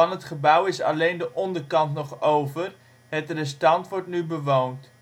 het gebouw is alleen de onderkant nog over. Het restant wordt nu bewoond